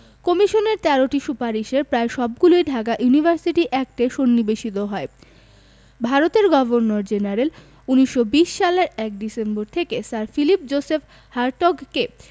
কমিশনের ১৩টি সুপারিশের প্রায় সবগুলিই ঢাকা ইউনিভার্সিটি অ্যাক্টে সন্নিবেশিত হয় ভারতের গভর্নর জেনারেল ১৯২০ সালের ১ ডিসেম্বর থেকে স্যার ফিলিপ জোসেফ হার্টগকে